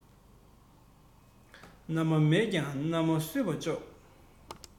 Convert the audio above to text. མནའ མ མེད ཀྱང མནའ མ བསུས པས ཆོག